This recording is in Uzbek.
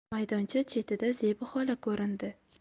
maydoncha chetida zebi xola ko'rindi